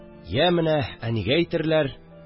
Йә менә әнигә әйтерләр